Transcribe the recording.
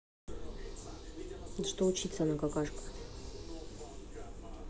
да что учиться она какашка